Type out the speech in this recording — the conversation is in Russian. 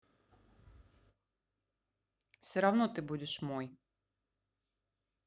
все равно ты будешь мой